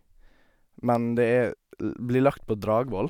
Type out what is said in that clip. Men det er l blir lagt på Dragvoll.